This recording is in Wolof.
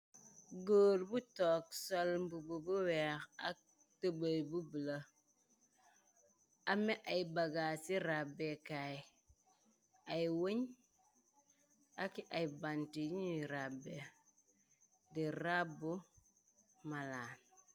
Góor bu toog solmb bu bu weex ak tebay bu bla ame ay bagaa ci rabbekaay ay wuñ ak ay bant yinuy rabbe di rabb malaan.